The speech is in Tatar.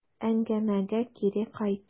Әңгәмәгә кире кайту.